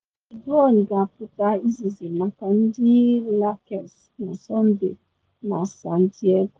Lebron ga-apụta izizi maka ndị Lakers na Sọnde na San Diego